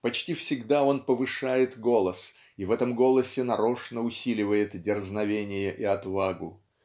Почти всегда он повышает голос и в этом голосе нарочно усиливает дерзновение и отвагу.